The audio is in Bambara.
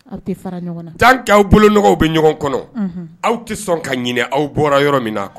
Kaw bolo bɛ ɲɔgɔn kɔnɔ aw tɛ sɔn ka aw bɔra yɔrɔ min